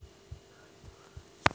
как посадить тюльпаны